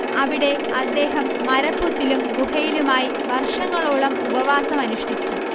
അവിടെ അദ്ദേഹം മരപ്പൊത്തിലും ഗുഹയിലുമായി വർഷങ്ങളോളം ഉപവാസമനുഷ്ഠിച്ചു